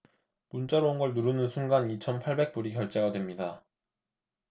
문자로 온 걸 누르는 순간 이천 팔백 불이 결제가 됩니다